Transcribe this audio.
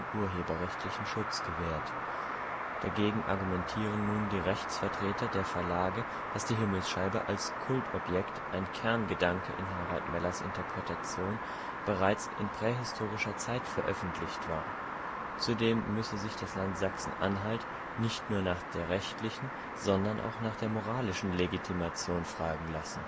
urheberrechtlichen Schutz gewährt. Dagegen argumentieren nun die Rechtsvertreter der Verlage, dass die Himmelsscheibe als „ Kultobjekt”, ein Kerngedanke in Harald Mellers Interpretation, bereits in prähistorischer Zeit veröffentlicht war. Zudem müsse sich das Land Sachsen-Anhalt „ nicht nur nach der rechtlichen, sondern auch nach der moralischen Legitimation fragen lassen